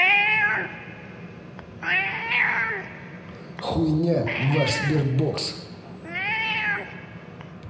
хуйня ваш sberbox